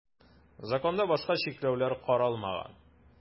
Законда башка чикләүләр каралмаган.